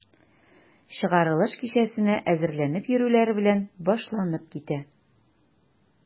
Чыгарылыш кичәсенә әзерләнеп йөрүләре белән башланып китә.